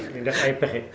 ñuy def ay pexe